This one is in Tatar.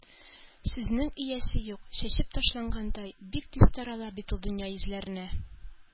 Сүзнең иясе юк, чәчеп ташлагандай, бик тиз тарала бит ул дөнья йөзләренә.